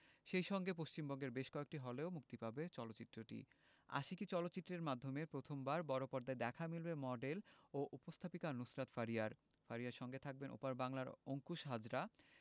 সেই সঙ্গে পশ্চিমবঙ্গের বেশ কয়েকটি হলেও মুক্তি পাবে চলচ্চিত্রটি আশিকী চলচ্চিত্রের মাধ্যমে প্রথমবার বড়পর্দায় দেখা মিলবে মডেল ও উপস্থাপিকা নুসরাত ফারিয়ার ফারিয়ার সঙ্গে থাকবেন ওপার বাংলার অংকুশ হাজরা